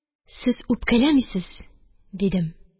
Сез үпкәләмисез? – дидем.